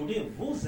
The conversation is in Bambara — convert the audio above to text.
San